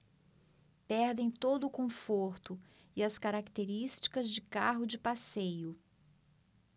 perdem todo o conforto e as características de carro de passeio